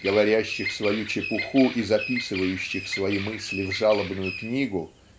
"говорящих свою чепуху" и записывающих свои мысли в жалобную книгу